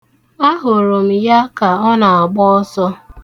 Ahụrụ m ya ka ọ na-agba ọsọ.